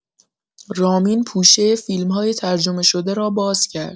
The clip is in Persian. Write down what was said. رامین پوشۀ فیلم‌های ترجمه شده را باز کرد.